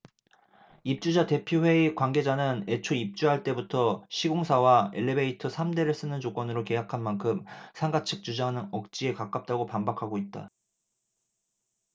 입주자 대표회의 관계자는 애초 입주할 때부터 시공사와 엘리베이터 삼 대를 쓰는 조건으로 계약한 만큼 상가 측 주장은 억지에 가깝다고 반박하고 있다